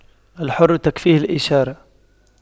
الحر تكفيه الإشارة